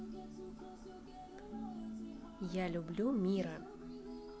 я люблю мира